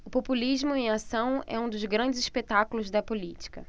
o populismo em ação é um dos grandes espetáculos da política